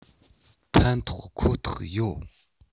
ཕན ཐོགས ཁོ ཐག ཡོད